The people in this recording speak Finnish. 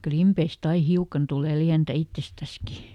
klimpeistä aina hiukan tulee lientä itsestäänkin